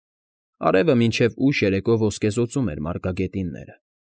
Արևը մինչև ուշ երեկո ոսկեզօծում էր մարգագետինները։